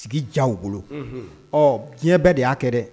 Sigi ja u bolo ɔ diɲɛ bɛɛ de y'a kɛ dɛ